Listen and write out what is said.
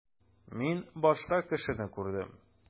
Мин башка кешене күрдем.